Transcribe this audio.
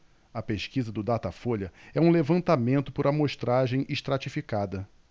a pesquisa do datafolha é um levantamento por amostragem estratificada